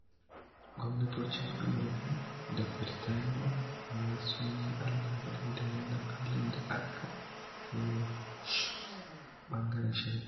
Gwamnatocin Amurka da na Birtaniya ma sun yi allawadai da wannan harin da aka kai wa ɓangaren shari'a.